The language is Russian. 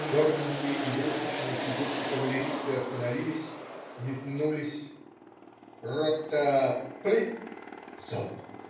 Черненькие игрушечные фигурки-кавалеристы остановились, метнулись. "Ротта-пли!"-Залп!